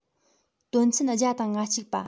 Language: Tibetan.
དོན ཚན བརྒྱ དང ང གཅིག པ